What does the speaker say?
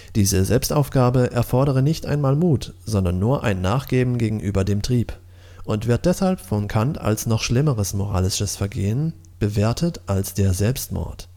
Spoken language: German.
Diese Selbstaufgabe erfordere nicht einmal Mut, sondern nur ein Nachgeben gegenüber dem Trieb, und wird deshalb von Kant als noch schlimmeres moralisches Vergehen bewertet als der Selbstmord